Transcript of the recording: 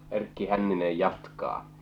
Erkki Hänninen jatkaa